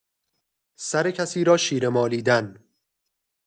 سر کسی را شیره مالیدن